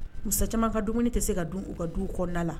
Mu caman ka dumuni tɛ se ka don u ka du u kɔnɔnada la